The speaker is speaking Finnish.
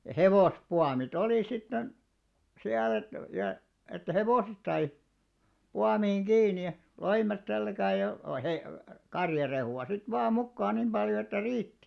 ja hevospuomit oli sitten siellä että ja että hevoset sai puomiin kiinni ja loimet selkään ja - karjarehua sitten vain mukaan niin paljon että riitti